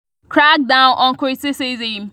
Crackdown on criticism